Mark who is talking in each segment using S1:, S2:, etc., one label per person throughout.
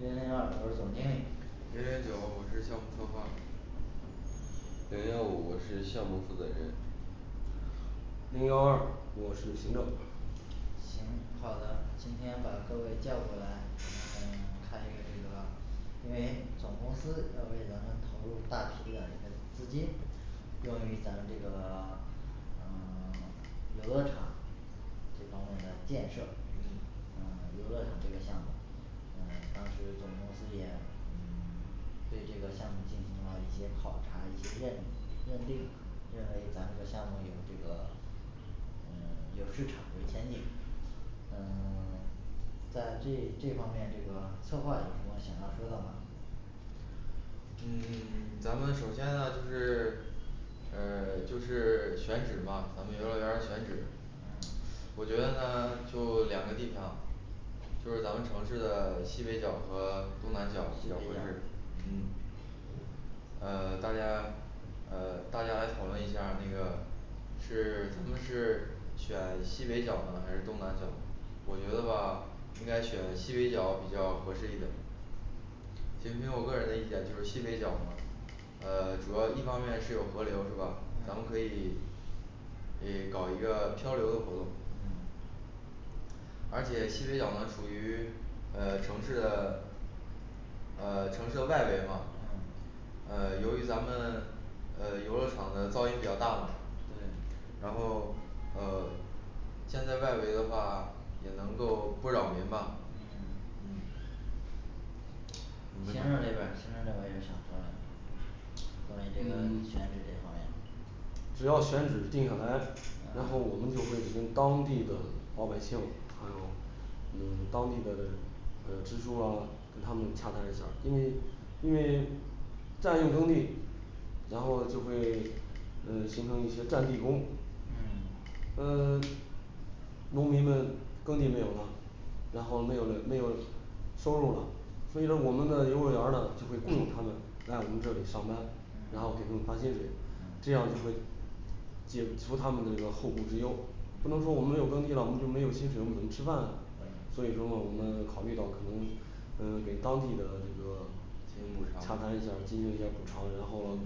S1: 零零二我是总经理
S2: 零零九我是项目策划
S3: 零幺五我是项目负责人
S4: 零幺二我是行政
S1: 行好的今天把各位叫过来咱们开一个这个因为总公司要为咱们投入大批的一个资金用于咱们这个嗯 游乐场这方面的建设
S2: 嗯
S1: 嗯 游乐场这个项目嗯当时总公司也嗯对这个项目进行了一些考察一些认认定认为咱这个项目有这个嗯 有市场有前景嗯 在这这方面这个策划有什么想要说的吗
S2: 嗯 咱们首先呢就是呃 就是选址嘛咱们游乐园儿选址我觉得呢就两个地方就是咱们城市的西北角和东南角比较合适嗯呃 大家呃 大家我问一下儿那个是 咱们是选西北角呢还是东南角我觉得吧应该选西北角比较合适一点仅凭我个人的意见就是西北角嘛呃 主要一方面是有河流是吧咱们可以
S1: 嗯
S2: 可以搞一个漂流的活动
S1: 嗯
S2: 而且西北角呢处于呃 城市的呃 城市的外围嘛
S1: 嗯
S2: 呃 由于咱们嗯 游乐场的噪音比较大嘛
S1: 对
S2: 然后嗯建在外围的话也能够不扰民吧
S1: 嗯嗯行政这
S2: 嗯
S1: 边儿行政这边儿有想说的没有关于这个
S4: 嗯
S1: 选址这方面
S4: 只要选址定下来然后
S1: 嗯
S4: 我们就可以跟当地的老百姓还有嗯当地的呃支柱啊跟他们洽谈一下儿因为因为占用耕地然后就会嗯形成一些占地工
S1: 嗯
S4: 嗯 农民们耕地没有了然后没有了没有了收入了所以呢我们的游乐园儿呢就会雇佣他们，来我们这里上班然后
S1: 嗯
S4: 给他们发薪水这样就会解除他们的这个后顾之忧不能说我们没有耕地了我们就没有薪水我们怎么吃饭啊
S1: 嗯
S4: 所以说呢我们考虑到可能嗯 给当地的这个
S3: 进行补
S4: 洽
S3: 偿
S4: 谈一下儿进行一下儿补偿然后了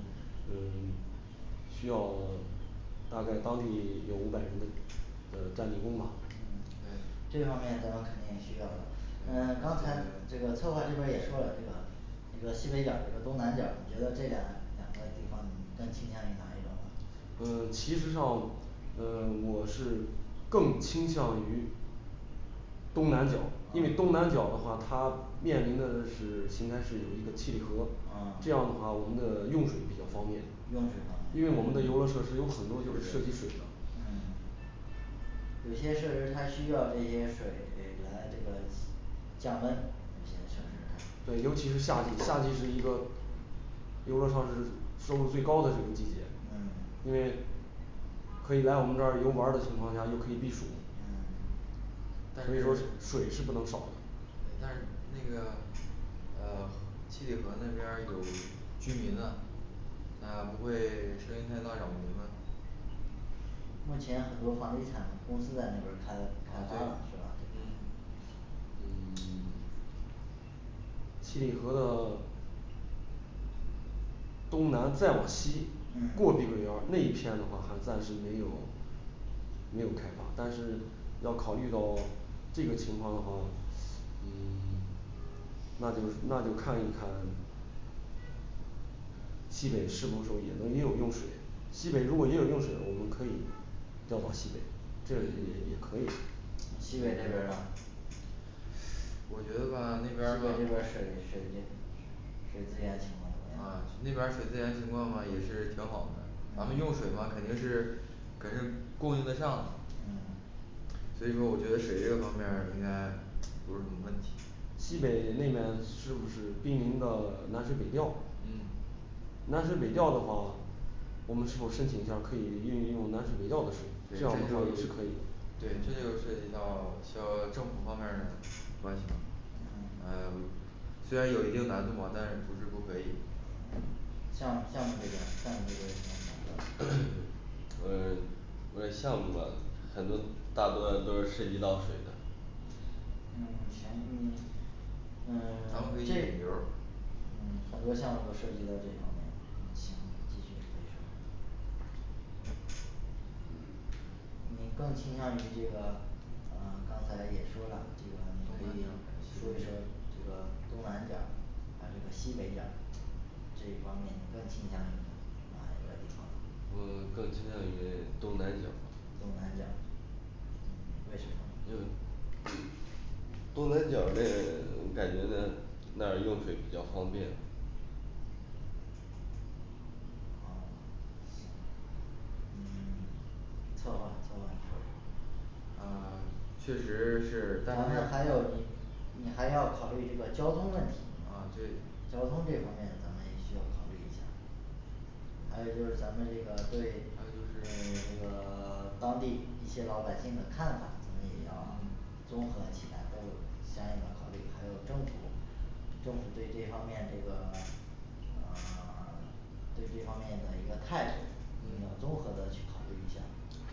S4: 嗯需要大概当地有五百人的呃占地工吧
S1: 嗯
S2: 嗯
S1: 这方面咱们肯定也需要的嗯 刚才这个策划这边儿也说了这个一个西北角儿一个东南角儿你觉得这两两个地方你更倾向于哪一种呢
S4: 嗯 其实呢嗯 我是更倾向于东南角因为东
S1: 哦
S4: 南角的话它面临的是邢台市有一个七里河
S1: 哦
S4: 这样的话我们的用水比较方便
S1: 用水方便
S4: 因为我们的游乐设施有很多就是涉及水的
S1: 嗯有些设施它需要这些水来这个降温
S4: 对尤其是夏季，夏季是一个游乐上是收入最高的这个季节
S1: 嗯
S4: 因为可以来我们这儿游玩儿的情况下又可以避暑
S1: 嗯
S2: 但
S4: 所以说
S2: 是
S4: 水是不能少
S2: 但是那个嗯河七里河那边儿有居民呢嗯不会声音太大扰民吗
S1: 目前很多房地产公司在那边儿开开
S2: 啊
S1: 发了
S2: 对
S1: 是吧
S2: 嗯
S4: 嗯 七里河的 东南再往西
S1: 嗯
S4: 过碧桂园儿那一片的话还暂时没有没有开发但是要考虑到这个情况的话嗯 那就那就看一看西北是否说也能也有用水西北如果也有用水我们可以调往西北这也也可以
S1: 西北这边儿呢
S2: 我觉得吧那边儿
S1: 水资源情况
S2: 啊
S1: 怎么样
S2: 那边儿水资源情况吧也是挺好的咱们用水嘛肯定是肯定是供应的上
S1: 嗯
S2: 所以说我觉得水这个方面儿应该不是什么问题
S4: 西北那面是不是濒临的南水北调
S2: 嗯
S4: 南水北调的话我们是否申请一下儿可以用一用南水北调的水，这样应该也是
S2: 这
S4: 可以
S2: 个
S4: 的
S2: 对这就涉及到需要政府方面儿的关系了
S1: 嗯
S2: 哎虽然有一定难度吧，但是不是不可以
S1: 项项目这边项目这边有什么想说的
S3: 呃因为项目吧很多大多都是涉及到水的
S1: 嗯全嗯嗯
S2: 咱们可 以引
S1: 这
S2: 流儿
S1: 嗯很多项目都涉及到这方面嗯行继续说一说你更倾向于这个呃刚才也说啦这个你
S2: 东
S1: 可
S2: 南
S1: 以
S2: 角儿
S1: 说一说，这个东南角儿啊这个西北角儿这一方面你更倾向于哪一个地方呢
S3: 我更倾向于东南角儿
S1: 东南角儿为什么
S3: 嗯东南角儿那感觉呢那儿用水比较方便
S1: 嗯 行嗯策划策划你说一说
S3: 嗯 确实是
S1: 咱
S3: 但是
S1: 们还有你你还要考虑一个交通问题
S2: 啊对
S1: 交通这方面咱们也需要考虑一下还有就是咱们这个对还有就是这个 当地一些老百姓的看法咱们也要
S2: 嗯
S1: 综合起来都有相应的考虑还有政府政府对这方面这个 呃 对这方面的一个态度也要
S2: 嗯
S1: 综合的去考虑一下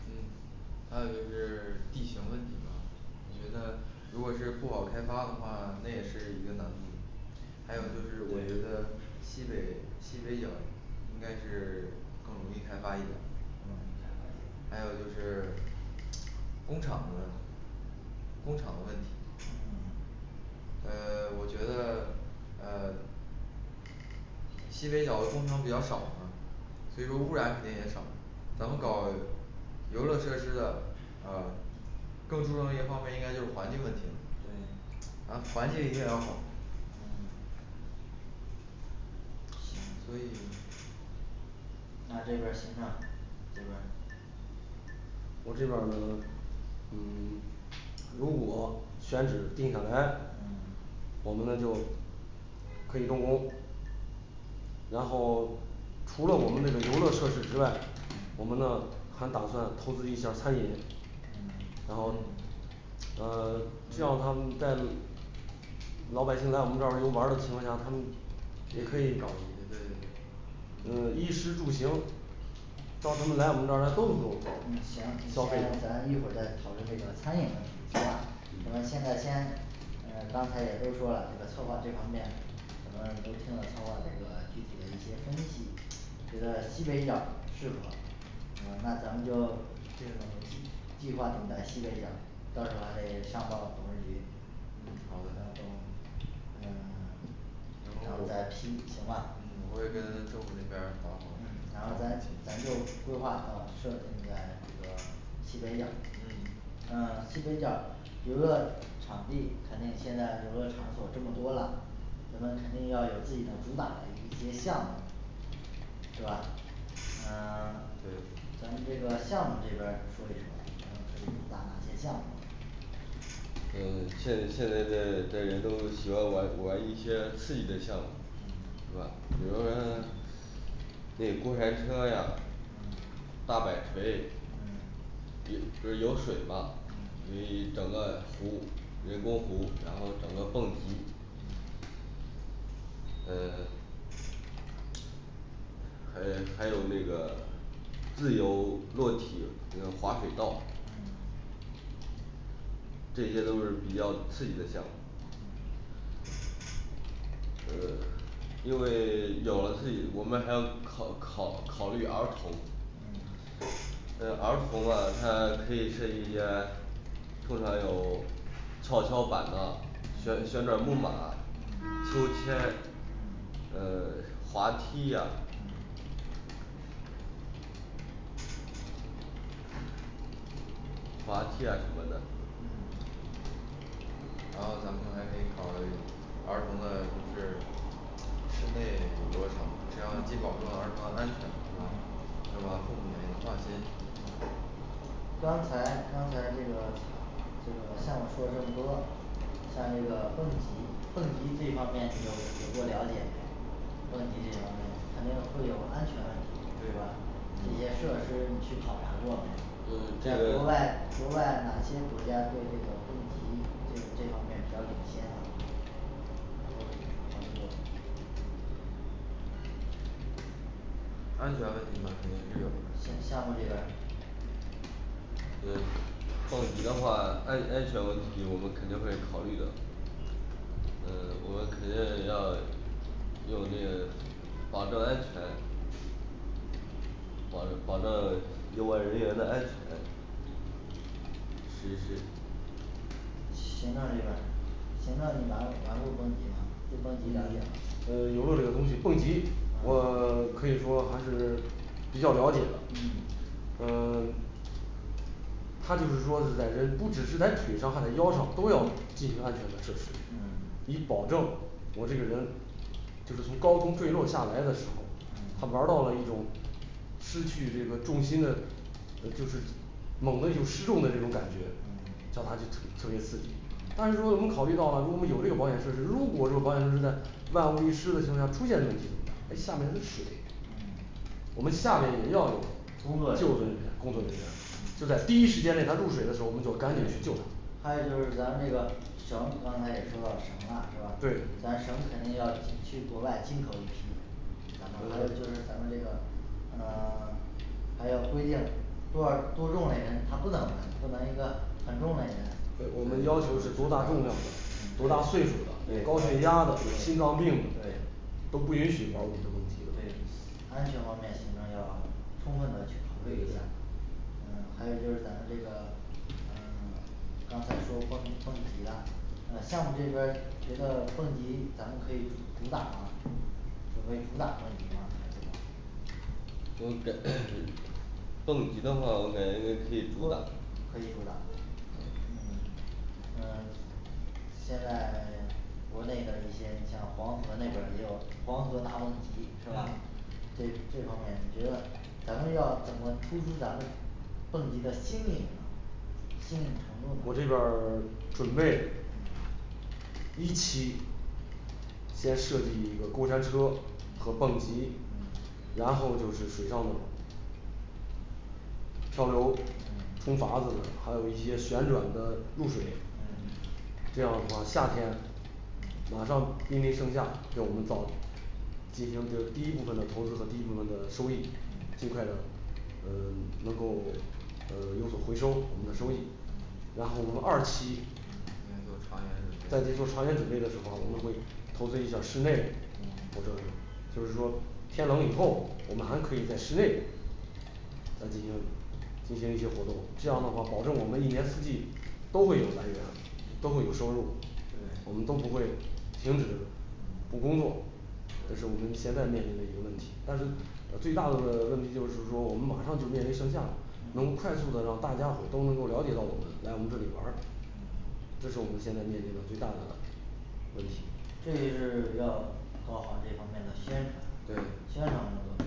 S2: 嗯还有就是地形问题吧我觉得如果是不好开发的话那也是一个难度还有就是我觉得西北西北角儿应该是 更容易开发一点儿还有就是工厂的工厂的问题
S1: 嗯
S2: 呃 我觉得呃 西北角的工厂比较少嘛所以说污染肯定也少咱们搞游乐设施的呃更注重一方面应该就是环境问题
S1: 对
S2: 咱环境一定要好
S1: 嗯行
S2: 所以
S1: 那这边儿行政这边儿
S4: 我这边儿呢嗯 如果选址定下来
S1: 嗯
S4: 我们呢就可以动工然后除了我们那个游乐设施之外我们呢还打算投资一下儿餐饮
S1: 嗯
S4: 然后
S2: 嗯
S4: 呃叫他
S1: 嗯
S4: 们在老百姓来我们这儿一个玩儿的情况下他们也可
S2: 搞一
S4: 以
S2: 些对对对
S4: 嗯衣食住行叫他们来我们这儿来动一动消费
S1: 嗯行
S4: 消费
S1: 咱们一会再讨论这个餐饮问题行吧嗯咱们现在先嗯刚才也都说了这个策划这方面咱们都听了策划这个具体的一些分析这个西北角儿适合嗯那咱们就
S2: 定
S1: 计划定在西北角儿到时候儿还得这上报董事局
S2: 好的然后嗯之
S1: 然后
S2: 后
S1: 再批行吧
S2: 我会跟
S1: 嗯
S2: 政府那边儿搞
S1: 嗯然
S2: 好
S1: 后咱
S2: 关系
S1: 咱就规划好设定在这个西北角儿
S2: 嗯
S1: 呃西北角儿游乐场地肯定现在游乐场所这么多啦我们肯定要有自己的主打的一些项目是吧呃 对咱们这个项目这边儿说一说主打哪些项目
S3: 嗯现现在这这人都喜欢玩玩一些刺激的项目
S1: 嗯
S3: 是吧比如说呢那过山车呀
S1: 嗯
S3: 大摆锤
S1: 嗯
S3: 一 这儿有水吧，
S1: 嗯
S3: 所以整个湖人工湖然后整个蹦极嗯 还还有那个自由落体那个滑水道
S1: 嗯
S3: 这些都是比较刺激的项目
S1: 嗯
S3: 嗯 因为 有了自己我们还要考考考虑儿童
S1: 嗯
S3: 呃儿童吧他可以配一些通常有跷跷板的旋
S1: 嗯
S3: 旋转木马
S1: 嗯
S3: 秋千呃 滑梯呀
S1: 嗯
S3: 滑梯呀什么的
S1: 嗯
S2: 然后咱们还可以考虑儿童的就是室内的游乐场实际上既保
S1: 嗯
S2: 证了儿童的安全
S1: 嗯
S2: 又让父母呢也放心
S1: 刚才刚才这个这个项目说了这么多像那个蹦极蹦极这方面你有有没有了解呢蹦极这方面肯定会有安全问题对吧
S2: 对
S1: 这些设施你去考察过没
S3: 嗯，这
S1: 在
S3: 个
S1: 国外国外哪些国家对这个蹦极这个这方面儿比较领先呢你有考虑过没
S2: 安全问题嘛肯定是有的
S1: 项项目这边儿
S3: 嗯蹦极的话安安全问题我们肯定会考虑的嗯我们肯定要努力保证安全保保证游玩人员的安全实施
S1: 行政这边儿行政你玩玩儿过蹦极吗对蹦极了解吗
S4: 嗯游乐这个东西蹦极
S1: 啊
S4: 我 可以说还是比较了解的
S1: 嗯
S4: 嗯 它就是说是在人不止是在腿上还在腰上都要进行安全的设施
S1: 嗯
S4: 以保证我这个人就是从高空坠落下来的时候
S1: 嗯
S4: 他玩儿到了一种失去这个重心的呃就是猛的一种失重的这种感觉
S1: 嗯
S4: 这样它就特特别刺激但是说我们考虑到了如果我们有这个保险设施如果说保险设施在万无一失的情况下出现问题哎下面是水
S1: 嗯
S4: 我们下面也要有
S1: 工作人
S4: 救助人员
S1: 员
S4: 工作人员就在第一时间内他入水的时候我们赶紧去救他
S1: 还有就是咱们这个绳那刚才也说了绳啦是吧
S4: 对
S1: 咱绳肯定要去国外进口一批还有就是咱们这个嗯 还要规定多少儿多重嘞人他不能玩不能一个很重嘞人
S4: 对我们要求是多大重量的多大
S1: 嗯对
S4: 岁数的
S1: 对
S4: 高血压的有
S1: 对
S4: 心脏病的
S1: 对
S4: 都不允许玩儿我们这蹦极的
S1: 对安全方面一定要充分的去考
S4: 对
S1: 虑
S4: 对
S1: 一
S4: 对
S1: 下嗯还有就是咱们这个嗯 刚才说蹦蹦极啦嗯项目这边儿觉得蹦极咱们可以主打吗准备主打蹦极吗
S3: 我感 蹦极的话我感觉就可以主打
S1: 可以主打嗯呃现在 国内的一些你像黄河那边儿也有黄河大蹦极是吧
S2: 嗯
S1: 所以这方面你觉得咱们要怎么突出咱们蹦极的新颖呢新颖程
S4: 我
S1: 度呢
S4: 这边儿 准备
S1: 嗯
S4: 一期先设计一个过山车和
S1: 嗯
S4: 蹦极
S1: 嗯
S4: 然后就是水上的漂流
S1: 嗯
S4: 冲筏子还有一些旋转的入水
S1: 嗯
S4: 这样的话夏天
S1: 嗯
S4: 马上濒临盛夏给我们造进行这第一部分的投资和第一部分的收益
S1: 嗯
S4: 尽快的嗯 能够嗯有所回收我们的收益然后我们二期
S2: 应
S1: 嗯
S2: 该做
S4: 在去做
S2: 长远准备
S4: 长远准备的时候我们
S2: 嗯
S4: 会投资一下室内或者就是说天冷以后我们还可以在室内来进行进行一些活动这样的话保证我们一年四季都会有来源都会有收入
S2: 对
S4: 我们都不会停止不工作这是我们现在面临的一个问题但是呃最大的问题就是说我们马上就面临盛夏了能快速的让大家伙儿都能够了解到我们来我们这里玩儿这是我们现在面临的最大的问题
S1: 这也是要搞好这方面的宣传
S4: 对
S1: 宣传工作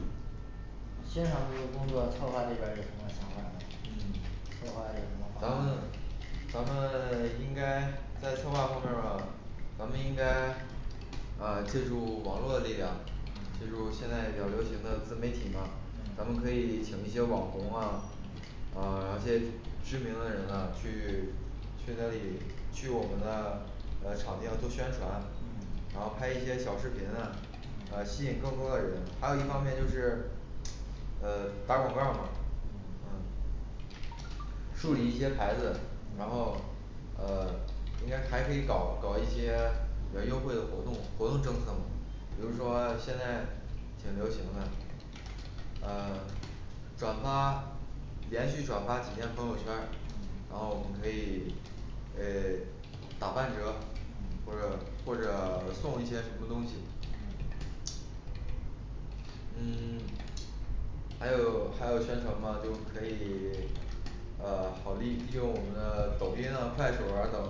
S1: 宣传部的工作策划这边儿有什么想法没嗯策划有什么
S2: 咱
S1: 方
S2: 们
S1: 案
S2: 咱们 应该在策划方面儿吧咱们应该啊借助网络力量借助现在比较流行的自媒体嘛
S1: 嗯
S2: 咱们可以请一些网红啊啊这些知名的人啊去去那里去我们的呃场地上做宣传
S1: 嗯
S2: 然后拍一些小视频啊
S1: 嗯
S2: 呃吸引更多的人还有一方面就是呃打广告儿
S1: 嗯
S2: 嗯树立一些牌子然
S1: 嗯
S2: 后呃应该还可以搞搞一些优惠的活动活动政策嘛比如说现在挺流行的呃 转发连续转发几天朋友圈儿
S1: 嗯
S2: 然后我们可以呃打半折
S1: 嗯
S2: 或者或者送一些什么东西
S1: 嗯
S2: 嗯还有还有像什么就可以 啊好利利用我们的抖音啊快手儿啊等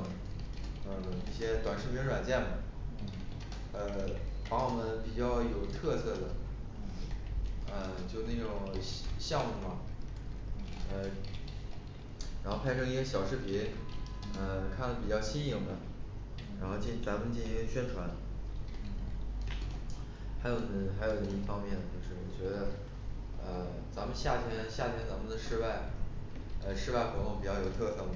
S2: 嗯一些短视频软件啊
S1: 嗯
S2: 呃把我们比较有特色的
S1: 嗯
S2: 呃就那种西 项目儿啊
S1: 嗯
S2: 呃然后拍成一些小视频
S1: 嗯
S2: 嗯看上比较新颖的然后
S1: 嗯
S2: 进咱们进行宣传还有呢还有一方面就是我觉得呃咱们夏天夏天咱们的室外呃室外活动比较有特色嘛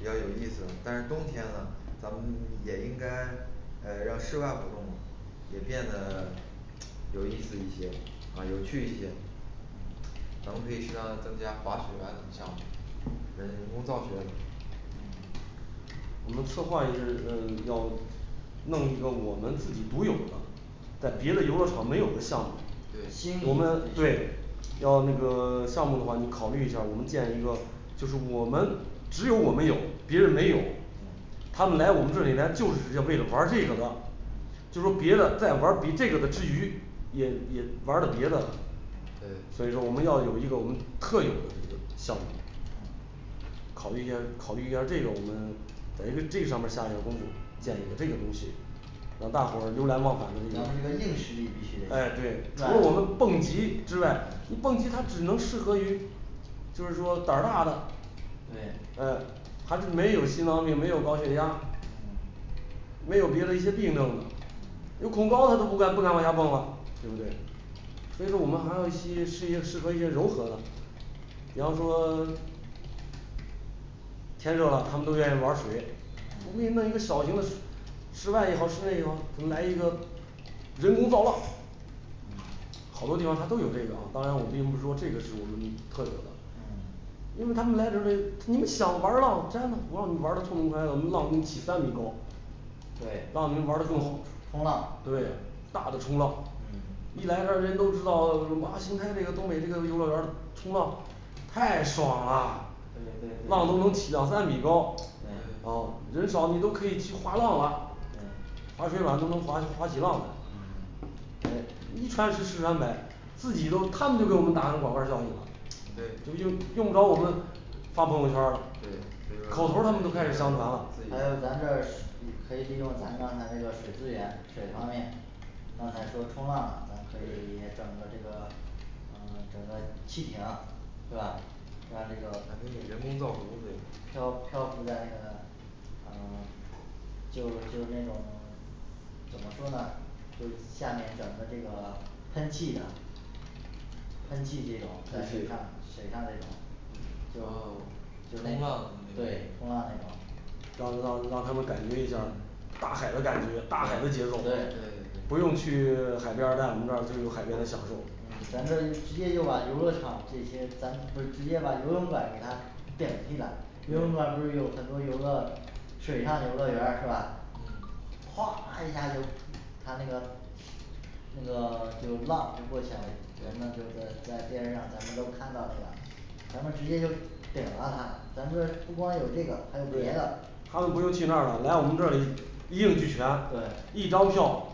S1: 嗯
S2: 较有意思但是冬天呢咱们也应该呃让室外活动也变得有意思一些啊有趣一些咱们可以适当的增加滑雪啊等项目嗯人工造雪
S4: 我们策划就是嗯要弄一个我们自己独有的在别的游乐场没有的项目
S2: 对
S1: 新
S4: 我
S1: 颖
S4: 们对让要个项目的话你考虑一下儿我们建立一个就是我们只有我们有别人没有他们来我们这里来就是要为了玩儿这个的就是说别的在玩儿比这个的之余也 也玩儿点儿别的嗯
S2: 对
S4: 所以说我们要有一个我们特有的一个项目考虑一下儿考虑一下儿这个我们在一个这个上面儿下一下儿功夫建一个这个东西让大伙儿流连忘返
S1: 咱
S4: 的
S1: 们
S4: 这
S1: 这
S4: 个
S1: 个硬实力必须
S4: 哎对
S1: 得强
S4: 除了我们蹦极之外蹦极它只能适合于就是说胆儿大的
S1: 对
S4: 呃还是没有心脏病没有高血压
S1: 嗯
S4: 没有别的一些病症呢有恐高他都不敢不敢往下蹦啊对不对所以说我们还要些适应适合一些柔和的比方说天热了他们都愿意玩儿水
S1: 嗯
S4: 我可以弄一个小型的室外也好室内也好来一个人工造浪好多地方它都有这个啊当然我并不是说这个是我们特有的
S1: 嗯
S4: 因为他们来这里你想玩儿浪，占我让你玩儿的痛痛快的我们浪给你起三米高
S1: 对
S4: 让我们玩儿的更好
S1: 冲浪
S4: 对大的冲浪
S1: 嗯
S4: 一来二来都知道哇新开这个东北游乐园儿冲浪太爽啦
S1: 对对
S4: 浪
S1: 对
S4: 能够起到三米高
S1: 对
S4: 啊人少你都可以去划浪了
S1: 对
S4: 滑水板都能划划起浪来
S1: 嗯
S4: 哎一传十十传百自己都他们都给我们打了广告儿效应了
S2: 对
S4: 就用用不着我们发朋友圈儿了
S2: 对所以说
S4: 口头儿他们都开始宣传了
S1: 还有咱这儿是 也可以利用咱刚才那个水资源水方面刚才说冲浪咱们可
S4: 对
S1: 以整个这个嗯整个汽艇对吧像这
S2: 咱
S1: 个
S2: 可以人工造湖对
S1: 漂漂浮在那个啊就就是那种 怎么说呢就下面整个这个喷气一样喷气这种在水上水上这种
S2: 啊
S1: 就那
S2: 冲浪
S1: 种对冲浪这种
S4: 让让让他们感觉一下儿大海的感觉大海的节奏，
S2: 对对
S1: 对
S2: 对
S4: 不用去海边儿在，我们这儿就有海边的享受
S1: 嗯咱这儿直接就把游乐场这些，咱不是直接把游泳馆给它顶替了游泳馆不是有很多游乐水上游乐园儿是吧？哗一下就它那个那个就是浪就过去啦，人们就是说在电视上咱们都看到那个咱们直接就顶了它咱们这不光有这个还有别的
S4: 对他们不用去那儿了，来我们这里一应俱全，
S1: 对
S4: 一张票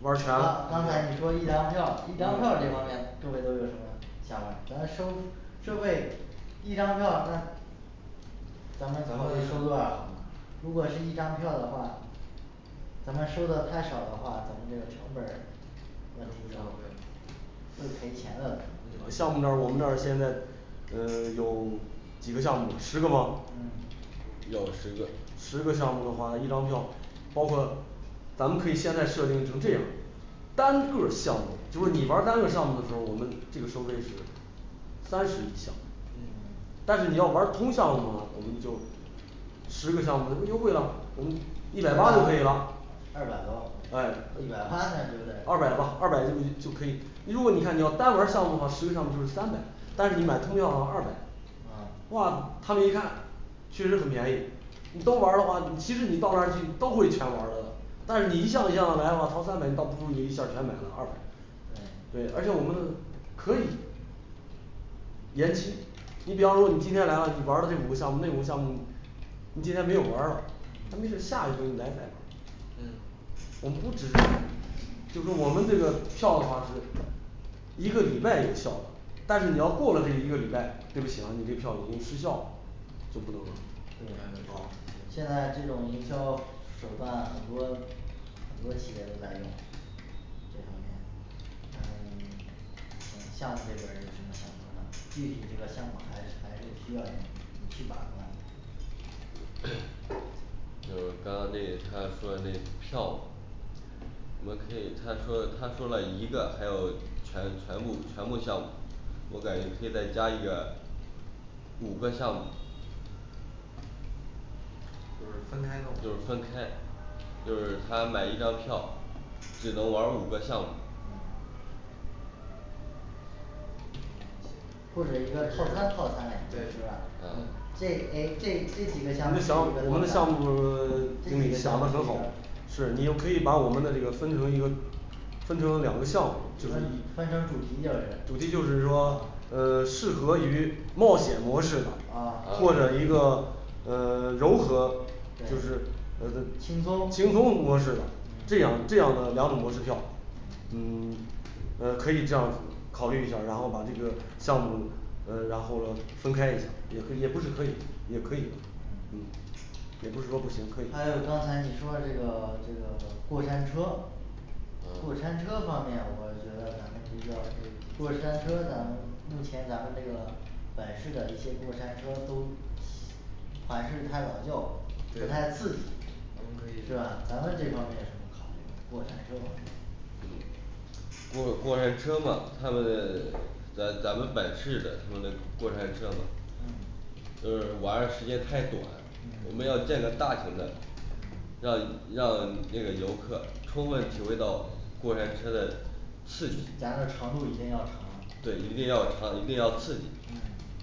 S4: 玩儿
S1: 刚
S4: 全了
S1: 刚才你说一张票一张票这方面各位有什么想法儿咱收收费一张票那咱
S4: 咱
S1: 们怎么
S4: 们
S1: 收多少如果是一张票的话咱们收的太少的话咱们这个成本儿会赔钱的咱们对吧
S4: 项目那儿我们那儿现在嗯 有几个项目十个吧
S1: 嗯
S3: 有十个
S4: 十个项目的话一张票包括咱们可以现在设定成这样单个儿项目就是你玩儿单个儿项目的时候儿，我们这个收费是三十一项
S1: 嗯
S4: 但是你要玩儿通项目，我们就十个项目优惠啦我们一百八就可以啦。
S1: 二百多
S4: 哎
S1: 一百八那有点儿
S4: 二百吧二百就可以如果你看你要单玩儿项目的话，十个项目就是三百，但你买通票的话二百
S1: 嗯
S4: 哇他们一看确实很便宜你都玩儿的话，其实你到那儿去都会全玩儿的，但是你一项一项来的话掏三百你倒不如你一下儿全买了二百
S1: 对
S4: 对而且我们可以延期你比方说你今天来了，你玩儿的这五个项目那五个项目你今天没有玩儿了，他没
S1: 嗯
S4: 事下一回你来在
S1: 嗯
S4: 我们不只是就是说我们这个票的话是一个礼拜有效，但是你要过了这一个礼拜，对不起了，你这票已经失效就不能了
S1: 对就不
S4: 啊
S1: 能现在这种营销手段很多很多企业都在用，这方面嗯 嗯项目这边儿有什么想说的，具体这个项目还还是需要你去把关
S3: 就刚刚那他说的那票我们可以他说了他说了一个，还有全全部全部项目我感觉可以再加一个五个项目
S2: 就是分开弄
S3: 就是分开就是他买一张票就能玩儿五个项目
S1: 嗯或者一个套
S2: 是
S1: 餐套餐嘞
S2: 对
S1: 是吧嗯
S2: 嗯
S1: 这诶这这几个项目
S4: 是你也可以把我们的这个分成一个分成两个项目，就是
S1: 那你分成主题就是
S4: 主题就是说嗯 适合于冒险模式的
S1: 啊
S4: 或
S3: 呃
S4: 者一个嗯 柔和就是呃这轻
S1: 轻松
S4: 松模式了，
S1: 嗯
S4: 这样儿这样儿的两种模式票嗯 呃可以这样考虑一下儿，然后把这个项目嗯然后了分开一下儿，也可以也不是可以也可以
S1: 嗯
S4: 嗯也不是说不行可以
S1: 还有刚才你说这个这个过山车过
S2: 啊
S1: 山车方面，我觉得咱们这要是过山车，咱们目前咱们那个本市的一些过山车都款式太老旧不
S2: 对
S1: 太刺激
S2: 我们可
S1: 是
S2: 以
S1: 吧咱们这方面怎么考虑过山车方面
S3: 过过山车嘛他们在咱咱们本市的他们那个过山车嘛
S1: 嗯
S3: 就是玩儿的时间太短我
S1: 嗯
S3: 们要建个大型的让让那个游客充分体会到过山车的刺激
S1: 咱这长度一定要长
S3: 对一定要长一定要刺激
S1: 嗯